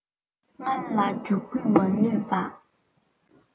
རྔ ལ དབྱུག གུས མ བསྣུན པ